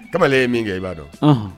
Kamalen ye min kɛ i b'a dɔn? Ɔnhɔn !